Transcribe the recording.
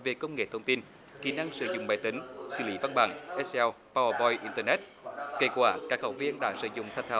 về công nghệ thông tin kỹ năng sử dụng máy tính xử lý văn bản x peo pao ờ poi in tơ nét kết quả các học viên đã sử dụng thẻ thạo